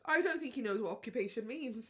I don't think he knows what occupation means.